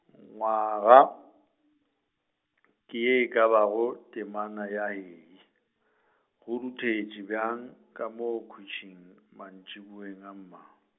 nywaga, ke ye e ka bago temana ya Hei, go ruthetše bjang ka mo khwitšhing, mantšiboeng a mma.